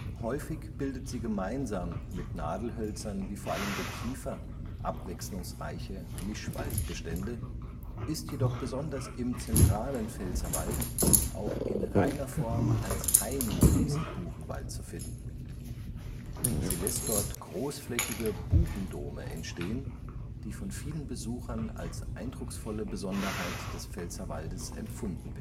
Häufig bildet sie gemeinsam mit Nadelhölzern wie vor allem der Kiefer abwechslungsreiche Mischwaldbestände, ist jedoch besonders im zentralen Pfälzerwald auch in reiner Form als Hainsimsen-Buchenwald zu finden. Sie lässt dort großflächige „ Buchendome “entstehen, die von vielen Besuchern als eindrucksvolle Besonderheit des Pfälzerwaldes empfunden